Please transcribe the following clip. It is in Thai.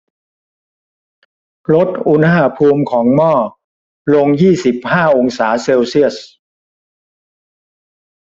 ลดอุณหภูมิของหม้อลงยี่สิบห้าองศาเซลเซียส